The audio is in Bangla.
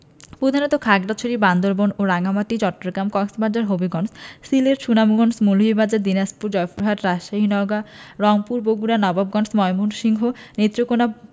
প্রধানত খাগড়াছড়ি বান্দরবান ও রাঙ্গামাটিসহ চট্টগ্রাম কক্সবাজার হবিগঞ্জ সিলেট সুনামগঞ্জ মৌলভীবাজার দিনাজপুর জয়পুরহাট রাজশাহী নওগাঁ রংপুর বগুড়া নবাবগঞ্জ ময়মনসিংহ নেত্রকোনা